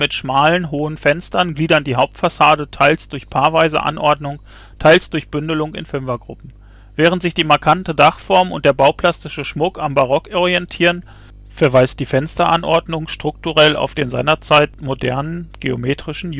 schmalen, hohen Fenstern gliedern die Hauptfassade teils durch paarweise Anordnung, teils durch Bündelung in Fünfergruppen. Während sich die markante Dachform und der bauplastische Schmuck am Barock orientieren, verweist die Fensteranordnung strukturell auf den seinerzeit modernen, geometrischen